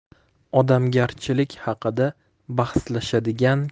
odamgarchilik xaqida baxslashadigan